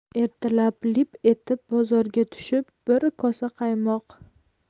ertalab lip etib bozorga tushib bir kosa qaymoq